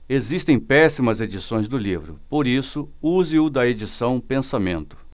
existem péssimas edições do livro por isso use o da edição pensamento